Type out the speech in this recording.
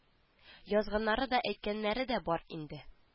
Язганнары да әйткәннәре дә бар инде